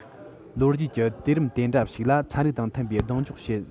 ལོ རྒྱུས ཀྱི དུས རིམ དེ འདྲ ཞིག ལ ཚན རིག དང མཐུན པའི གདེང འཇོག བྱེད